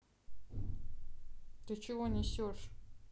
ты чего несешь